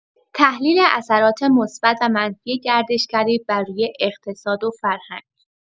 تحلیل اثرات مثبت و منفی گردشگری بر روی اقتصاد و فرهنگ